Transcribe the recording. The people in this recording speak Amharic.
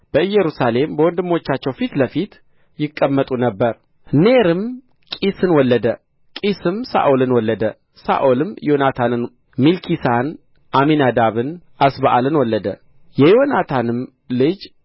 በኢየሩሳሌም በወንድሞቻቸው ፊት ለፊት ይቀመጡ ነበር ኔርም ቂስን ወለደ ቂስም ሳኦልን ወለደ ሳኦልም ዮናታንን ሚልኪሳን አሚናዳብን አስበኣልን ወለደ የዮናታንም ልጅ